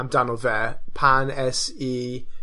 amdano fe pan es i